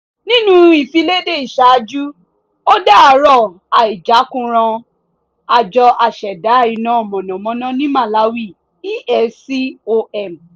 Nínú ìfiléde ìṣààjú, ó dárò àìjákúnra àjọ aṣẹ̀dá iná mọ̀nàmọ́ná ní Malawi ESCOM.